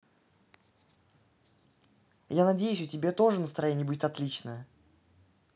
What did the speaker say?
я надеюсь у тебя тоже настроение будет отличное